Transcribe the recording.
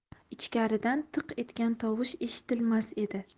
ichkaridan tiq etgan tovush eshitilmas edi